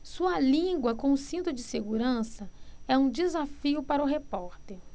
sua língua com cinto de segurança é um desafio para o repórter